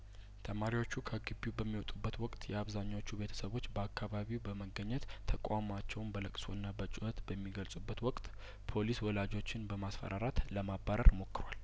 ተማሪዎቹ ከግቢው በሚወጡበት ወቅት የአብዛኞቹ ቤተሰቦች በአካባቢው በመገኘት ተቆአውማቸውን በለቅሶና በጩኸት በሚገልጹ በት ወቅት ፖሊስ ወላጆችን በማስፈራራት ለማባረር ሞክሯል